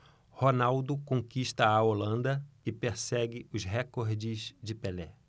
ronaldo conquista a holanda e persegue os recordes de pelé